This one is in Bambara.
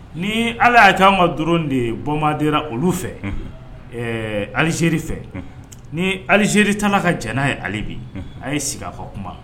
Ni ala y'a taa an ka dɔrɔn de ye bɔndira olu fɛ alizeri fɛ ni alizeri tan ka j n' ye ale bi a ye sigi a ka kuma